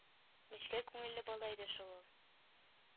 Нечкә күңелле бала иде шул ул